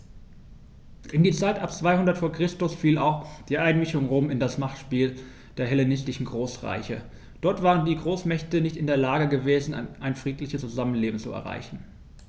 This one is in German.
In die Zeit ab 200 v. Chr. fiel auch die Einmischung Roms in das Machtspiel der hellenistischen Großreiche: Dort waren die Großmächte nicht in der Lage gewesen, ein friedliches Zusammenleben zu erreichen.